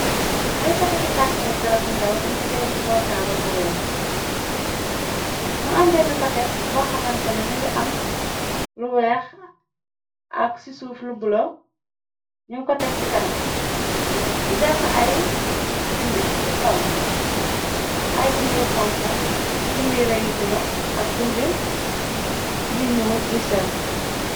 Ay paketi kàrtoyu garab yu ndaw ñi nga teg ci kawtaabal bu weex. mu am benn paket bo xamante ne më nga am lu weex ak ci suuf lu bulo, ñun ko teg ci kanam, ñi defa ay bindi ci kawam ay bindi xonko, bindi rëy bulo ak bindi yu ñuul yu sew.